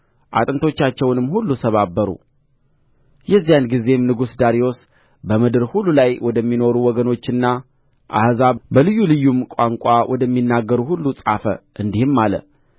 አጥንታቸውንም ሁሉ ሰባበሩ የዚያን ጊዜም ንጉሥ ዳርዮስ በምድር ሁሉ ላይ ወደሚኖሩ ወገኖችና አሕዛብ በልዩ ልዩም ቋንቋ ወደሚናገሩ ሁሉ ጻፈ እንዲህም አለ